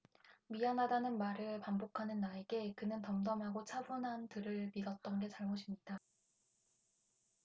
미안하다는 말을 반복하는 나에게 그는 덤덤하고 차분한 들을 믿었던 게 잘못입니다